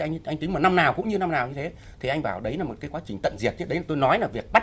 anh anh tính mà năm nào cũng như năm nào như thế thì anh bảo đấy là một cấy quá trình tận diệt tiếp đến tôi nói là việc bắt